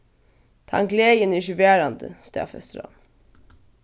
tann gleðin er ikki varandi staðfestir hann